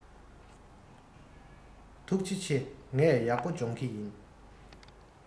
ཐུགས རྗེ ཆེ ངས ཡག པོ སྦྱོང གི ཡིན